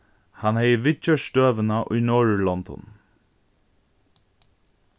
hann hevði viðgjørt støðuna í norðurlondum